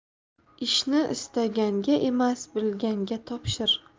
ishni istaganga emas bilganga topshir